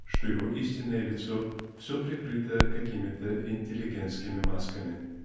что его истинное лицо все прикрыто какими-то интеллигентскими масками.